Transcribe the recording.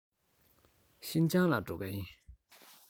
ཤིན ཅང ལ འགྲོ མཁན ཡིན